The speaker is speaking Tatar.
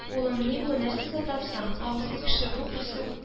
– улым, ни бу, нәрсә сатасың? – абзый кеше, бу күсе